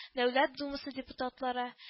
Дәүләт Думасы депутатлары